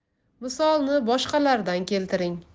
misolni boshqalardan keltiring